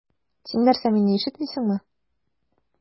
Син нәрсә, мине ишетмисеңме?